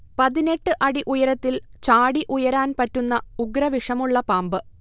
പതിനെട്ട് അടി ഉയരത്തിൽ ചാടി ഉയരാൻ പറ്റുന്ന ഉഗ്രവിഷമുള്ള പാമ്പ്